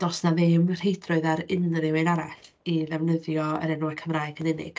Does na ddim rheidrwydd ar unrhyw un arall i ddefnyddio'r enwau Cymraeg yn unig.